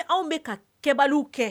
Anw bɛ ka kɛbali kɛ